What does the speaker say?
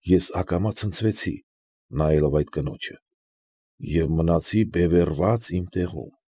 Ես ակամա ցնցվեցի, նայելով այդ կնոջը, և մնացի բևեռված իմ տեղում։